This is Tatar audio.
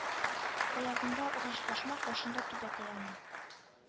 — аягында агач башмак, башында түбәтәй аның.